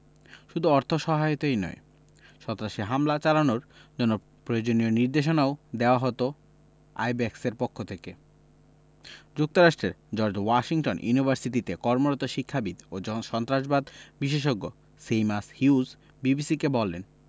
শুধু অর্থসহায়তাই নয় সন্ত্রাসী হামলা চালানোর জন্য প্রয়োজনীয় নির্দেশনাও দেওয়া হতো আইব্যাকসের পক্ষ থেকে যুক্তরাষ্টের জর্জ ওয়াশিংটন ইউনিভার্সিটিতে কর্মরত শিক্ষাবিদ ও সন্ত্রাসবাদ বিশেষজ্ঞ সেইমাস হিউজ বিবিসিকে বলেন